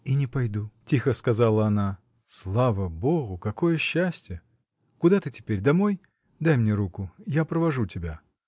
— И не пойду, — тихо сказала она. — Слава Богу — какое счастье! Куда ты теперь: домой? Дай мне руку. Я провожу тебя.